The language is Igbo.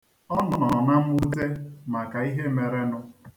Ọ nọ na nwute maka ihe merenụ.